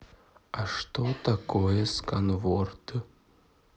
а что такое сканворд